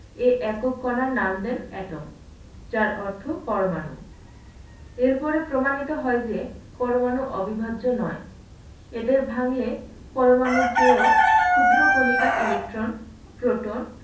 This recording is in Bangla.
এ একক কণার নাম দেন Atom যার অর্থ পরমাণু এর পরে প্রমাণিত হয় যে পরমাণু অবিভাজ্য নয় এদের ভাঙলে পরমাণুর চেয়েও ক্ষুদ্র কণিকা ইলেকট্রন প্রোটন